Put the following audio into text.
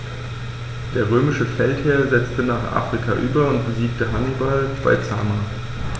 Der römische Feldherr setzte nach Afrika über und besiegte Hannibal bei Zama.